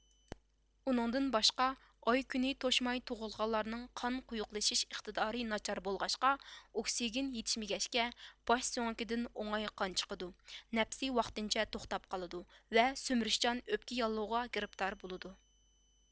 ئۇنىڭدىن باشقا ئاي كۈنى توشماي تۇغۇلغانلارنىڭ قان قويۇقلىشىش ئىقتىدارى ناچار بولغاچقا ئوكسىگېن يېتىشمىگەچكە باش سۆڭىكىدىن ئوڭاي قان چىقىدۇ نەپسى ۋاقىتىنىچە توختاپ قالىدۇ ۋە سۈمۈرۈشچان ئۆپكە ياللۇغىغا گىرىپتار بولىدۇ